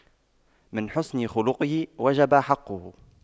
من حسن خُلقُه وجب حقُّه